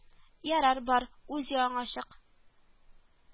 Ярар, бар, үз ягыңа чык